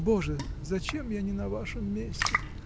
Боже, зачем я не на вашем месте!.